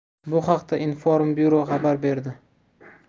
bu haqda inform byuro xabar berdi